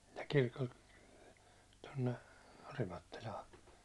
ja kirkolta tuonne Orimattilaan